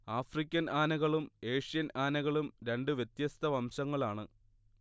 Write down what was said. African ആനകളും Asian ആനകളും രണ്ട് വ്യത്യസ്ത വംശങ്ങളാണ്